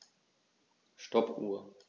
Stoppuhr.